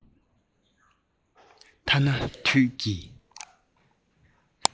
ཐ ན དུས ཀྱི